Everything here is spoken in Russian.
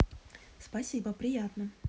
спасибо приятно